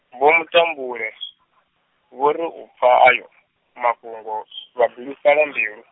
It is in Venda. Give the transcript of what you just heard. Vho Mutambule , vho ri u pfa ayo, mafhungo, vha bilufhala mbilu.